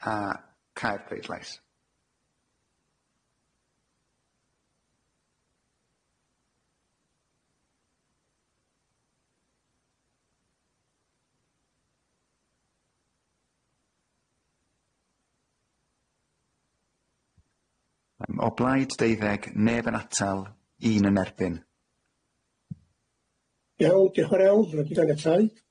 A cau'r pleidlais. A o blaid deuddeg, neb yn atal, un yn erbyn. Iawn diolch yn fawr iawn